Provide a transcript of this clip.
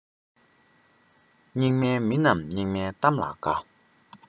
སྙིགས མའི མི རྣམས སྙིགས མའི གཏམ ལ དགའ